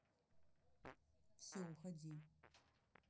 все уходи